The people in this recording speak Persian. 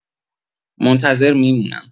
منتظر می‌مونم.